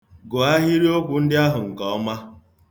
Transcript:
Gụọ ahịrịokwu ndị ahụ nke ọma.